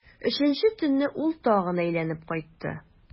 Өченче төнне ул тагын әйләнеп кайтты.